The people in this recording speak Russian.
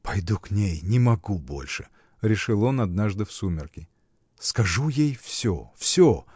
— Пойду к ней, не могу больше! — решил он однажды в сумерки. — Скажу ей всё, всё.